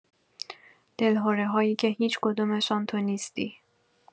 دلهره‌هایی که هیچ کدامشان تو نیستی